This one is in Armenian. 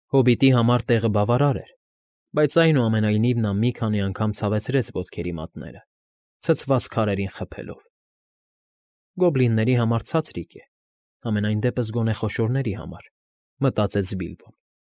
Հոբիտի համար տեղը բավարար էր, բայց այնուամենայնիվ նա մի քանի անգամ ցավեցրեց ոտքերի մատները՝ ցցված քարերին խփելով։ «Գոբլինների համար ցածրիկ է, համենայն դեպս գոնե խոշորների համար»,֊ մտածեց Բիլբոն։